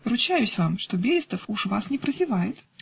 ручаюсь вам, что Берестов уж вас не прозевает.